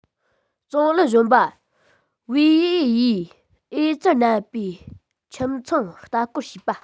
ཙུང ལི གཞོན པ བུའུ དབྱི ཡིས ཨེ ཙི ནད པའི ཁྱིམ ཚང བལྟ སྐོར བྱས པ